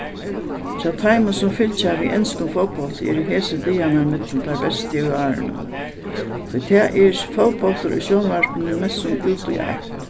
hjá teimum sum fylgja við enskum fótbólti eru hesir dagarnar millum teir bestu í árinum tí tað er fótbóltur í sjónvarpinum mestsum út í eitt